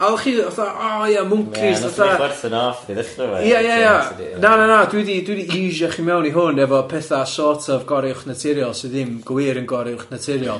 A och chi fatha o ia mwncis. Ie nath ni chwerthin wrth ti ddechra. Fatha Ie nath chdi chwechta nath i ddechra efo e. Ie ie ie na na na dwi di dwi di eisio chi mewn i hwn efo petha sort of gorywch naturiol sydd ddim gwir yn gorywch naturiol.